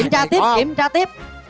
kiểm tra tiếp kiểm tra tiếp